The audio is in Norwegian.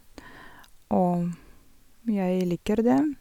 Og jeg liker den.